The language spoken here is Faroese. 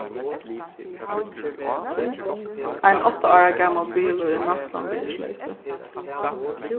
ein átta ára gamal bilur er næstan virðisleysur